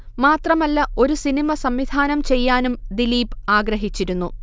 മാത്രമല്ല ഒരു സിനിമ സംവിധാനം ചെയ്യാനും ദിലീപ് ആഗ്രഹിച്ചിരുന്നു